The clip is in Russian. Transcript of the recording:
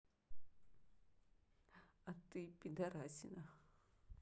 а ты пидорасина